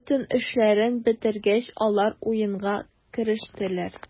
Бөтен эшләрен бетергәч, алар уенга керештеләр.